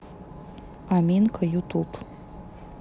аминка ютуб